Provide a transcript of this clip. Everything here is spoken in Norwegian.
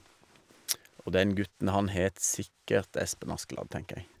Og den gutten, han het sikkert Espen Askeladd, tenker jeg.